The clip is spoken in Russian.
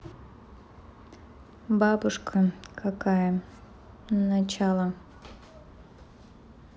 бабушка какая на начало